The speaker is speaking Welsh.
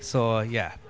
So ie.